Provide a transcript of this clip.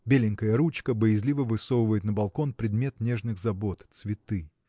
Беленькая ручка боязливо высовывает на балкон предмет нежных забот – цветы.